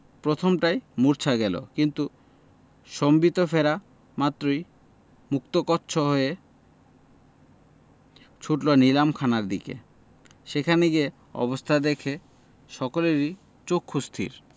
প্রথমটায় মুর্ছা গেল কিন্তু সম্বিত ফেরা মাত্রই মুক্তকচ্ছ হয়ে ছুটল নিলাম খানার দিকে সেখানে গিয়ে অবস্থা দেখে সকলেরই চক্ষুস্থির